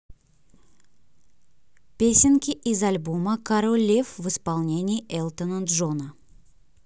песенки из альбома король лев в исполнении элтона джона